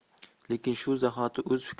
lekin shu zahoti o'z